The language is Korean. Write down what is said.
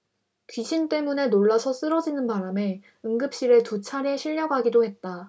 귀신 때문에 놀라서 쓰러지는 바람에 응급실에 두 차례 실려가기도 했다